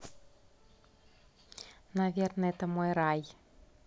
наверное это мой рай